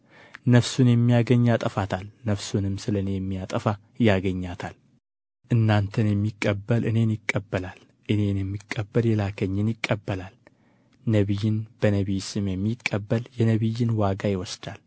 ነፍሱን የሚያገኝ ያጠፋታል ነፍሱንም ስለ እኔ የሚያጠፋ ያገኛታል እናንተን የሚቀበል እኔን ይቀበላል እኔንም የሚቀበል የላከኝን ይቀበላል ነቢይን በነቢይ ስም የሚቀበል የነቢይን ዋጋ ይወስዳል